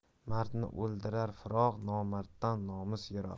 mardni o'ldirar firoq nomarddan nomus yiroq